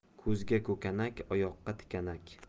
ko'zga ko'kanak oyoqqa tikanak